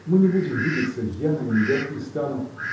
Мы не будем видеться, я надоедать не стану!